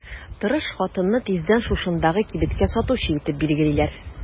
Тырыш хатынны тиздән шушындагы кибеткә сатучы итеп билгелиләр.